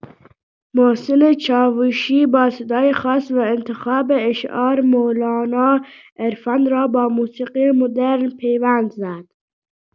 محسن چاوشی با صدای خاص و انتخاب اشعار مولانا، عرفان را با موسیقی مدرن پیوند زد.